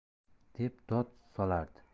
deb dod solardi